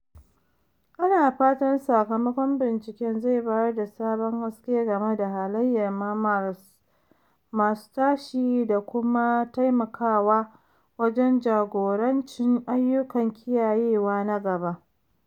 Ana fatan sakamakon binciken zai bayar da sabon haske game da halayyar mammals masu tashi da kuma taimakawa wajen jagorancin ayyukan kiyayewa na gaba.